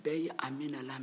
bɛɛ ye amina laminɛ